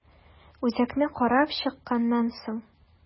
Үзәкне карап чыкканнан соң.